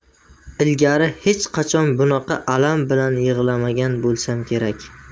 ilgari hech qachon bunaqa alam bilan yig'lamagan bo'lsam kerak